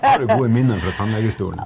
har du gode minner fra tannlegestolen?